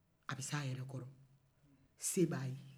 a bɛ s'a yɛrɛ kɔrɔ se b'a ye